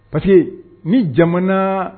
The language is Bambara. Pa ni jamana